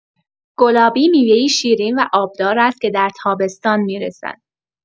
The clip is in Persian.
گلابی میوه‌ای شیرین و آبدار است که در تابستان می‌رسد.